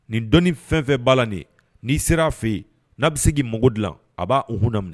Nin dɔni fɛn fɛn b'a la nin ye n'i ser'a fe ye n'a be se k'i mago dilan a b'a unhun na minɛ